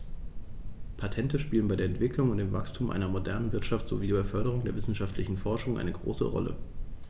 Patente spielen bei der Entwicklung und dem Wachstum einer modernen Wirtschaft sowie bei der Förderung der wissenschaftlichen Forschung eine große Rolle.